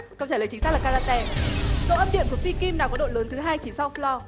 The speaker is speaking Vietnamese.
câu trả lời chính xác là ca ra te độ âm điện của phi kim nào có độ lớn thứ hai chỉ sau phờ lo